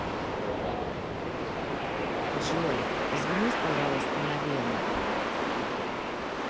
джой извинись пожалуйста на вен